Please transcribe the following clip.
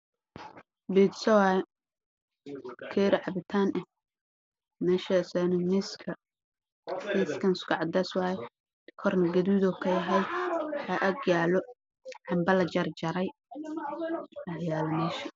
Pizza waaye iyo cabitaan